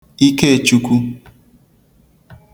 Ikechukwu